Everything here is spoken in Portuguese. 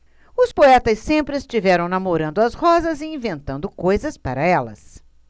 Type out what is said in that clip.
os poetas sempre estiveram namorando as rosas e inventando coisas para elas